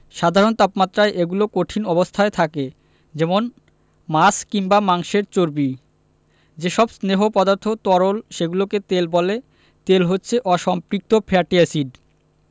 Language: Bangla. সাধারণ তাপমাত্রায় এগুলো কঠিন অবস্থায় থাকে যেমন মাছ কিংবা মাংসের চর্বি যেসব স্নেহ পদার্থ তরল সেগুলোকে তেল বলে তেল হচ্ছে অসম্পৃক্ত ফ্যাটি এসিড